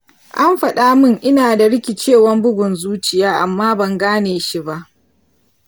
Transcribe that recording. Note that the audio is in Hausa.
an faɗa min ina da rikicewan bugun zuciya amma ban gane shi ba.